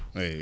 eyyi